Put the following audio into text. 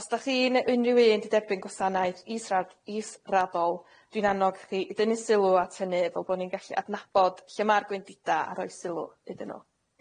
Os 'dach chi ne' unrhyw un 'di derbyn gwasanaeth israd- israddol dwi'n annog chi i dynnu sylw at hynny fel bo' ni'n gallu adnabod lle ma'r gwendida a roi sylw iddyn nhw.